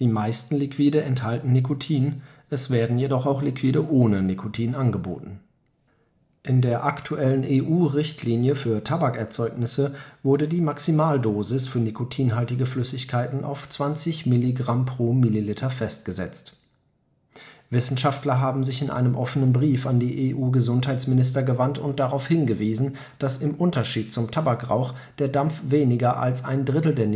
meisten Liquide enthalten Nikotin, es werden jedoch auch Liquide ohne Nikotin angeboten. In der aktuellen EU-Richtlinie für Tabakerzeugnisse wurde die Maximaldosis für nikotinhaltige Flüssigkeiten (e-Liquids) auf 20 Milligramm pro Milliliter festgesetzt. Wissenschaftler haben sich in einem offenen Brief an den EU Gesundheitsminister gewandt und darauf hingewiesen, dass im Unterschied zum Tabakrauch der Dampf weniger als ein Drittel